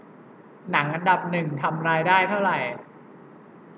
หนังอันดับหนึ่งทำรายได้เท่าไหร่